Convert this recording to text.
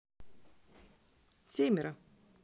семеро